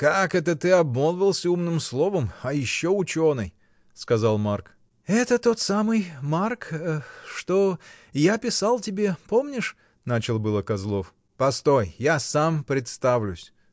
— Как это ты обмолвился умным словом, а еще ученый! — сказал Марк. — Это тот самый. Марк. что. Я писал тебе: помнишь. — начал было Козлов. — Постой! Я сам представлюсь!